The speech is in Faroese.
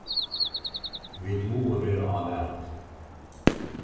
vit mugu vera á varðhaldi